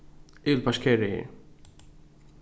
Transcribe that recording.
eg vil parkera her